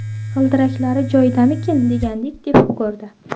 g'ildiraklari joyidamikin degandek tepib ko'rdi